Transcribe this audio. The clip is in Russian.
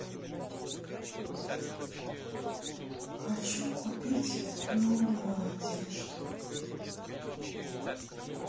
хочу купить новую одежду